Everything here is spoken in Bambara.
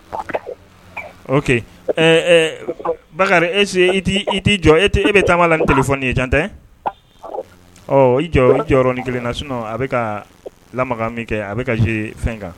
O ese i tɛ jɔ e bɛ taama la ni tɛ fɔ ye jan tɛ jɔ ni kelen na sun a bɛ ka la min kɛ a bɛ ka z fɛn kan